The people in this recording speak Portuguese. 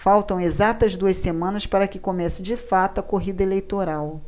faltam exatas duas semanas para que comece de fato a corrida eleitoral